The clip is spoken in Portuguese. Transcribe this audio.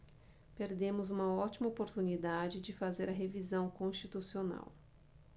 perdemos uma ótima oportunidade de fazer a revisão constitucional